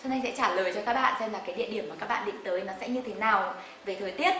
sơn anh sẽ trả lời cho các bạn xem là cái địa điểm mà các bạn định tới nó sẽ như thế nào về thời tiết